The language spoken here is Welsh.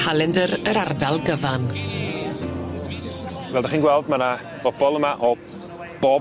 nghalendr yr ardal gyfan. Fel 'dach chi'n gweld ma' 'na bobol yma o bob